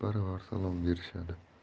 baravar salom berishadi